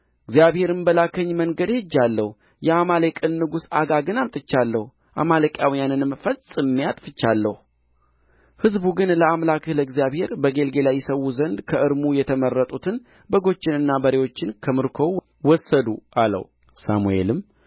እግዚአብሔርም በላከኝ መንገድ ሄጃለሁ የአማሌቅን ንጉሥ አጋግን አምጥቻለሁ አማሌቃውያንንም ፈጽሜ አጥፍቻለሁ ሕዝቡ ግን ለአምላክህ ለእግዚአብሔር በጌልገላ ይሠዉ ዘንድ ከእርሙ የተመረጡትን በጎችንና በሬዎችን ከምርኮው ወሰዱ አለው ሳሙኤልም